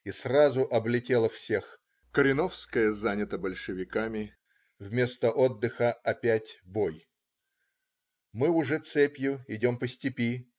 И сразу облетело всех: Кореновская занята большевиками. Вместо отдыха - опять бой. Мы уже цепью идем по степи.